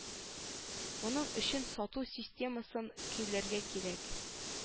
Моның өчен сату системасын көйләргә кирәк